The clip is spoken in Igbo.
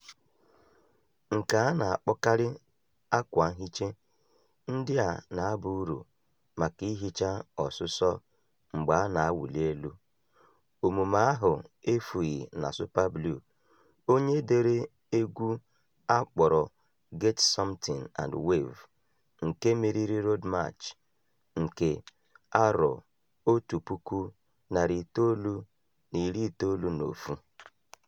Nke a na-akpọkarị "akwa nhicha", ndị a na-aba uru maka ihicha ọsụsọ mgbe "a na-awụli elu". Omume ahụ efughị na Super Blue, onye dere egwu a kpọrọ "Get Something and Wave", nke meriri Road March nke 1991.